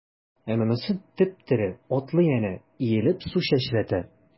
Ә монысы— теп-тере, атлый әнә, иелеп су чәчрәтә.